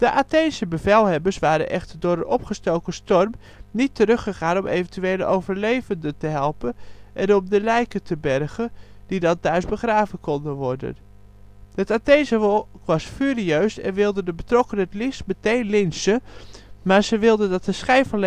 Atheense bevelhebbers waren echter door een opgestoken storm niet terug gegaan om eventuele overlevenden te helpen en om de lijken te bergen (die dan thuis begraven konden worden). Het Atheense volk was furieus en wilde de betrokkenen het liefst meteen lynchen maar ze wilden dat de schijn van legitimiteit